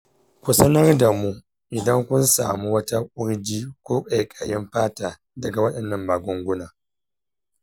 ku sanar da mu idan kun sami wata kurji ko ƙaiƙayin fata daga waɗannan magunguna.